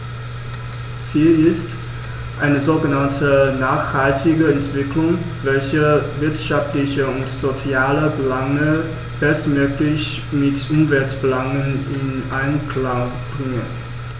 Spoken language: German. Ziel ist eine sogenannte nachhaltige Entwicklung, welche wirtschaftliche und soziale Belange bestmöglich mit Umweltbelangen in Einklang bringt.